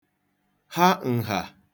ha ǹhà